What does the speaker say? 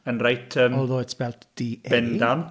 Yn reit yym... Although it's spelt DA... Bendant.